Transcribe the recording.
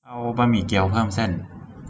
เอาบะหมี่เกี๊ยวเพิ่มเส้น